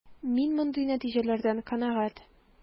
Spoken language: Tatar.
Мин мондый нәтиҗәләрдән канәгать.